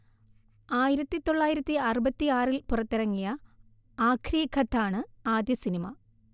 ആയിരത്തി തൊള്ളായിരത്തി അറുപത്തി ആറിൽ പുറത്തിറങ്ങിയ 'ആഖ്രി ഖത്താ' ണ് ആദ്യ സിനിമ